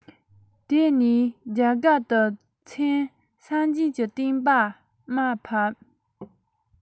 དེ ནས རྒྱ གར དུ ཕྱིན སངས རྒྱས ཀྱི བསྟན པར དམའ ཕབ